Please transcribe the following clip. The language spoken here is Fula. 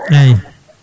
eyyi